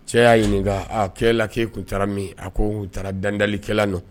Cɛ y'a ɲininka ko yala k'e tun taara min? A ko u taara dandalikɛla nɔ.